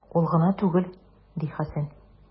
Ул гына түгел, - ди Хәсән.